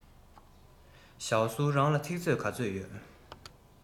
ཞའོ སུའུ རང ལ ཚིག མཛོད ག ཚོད ཡོད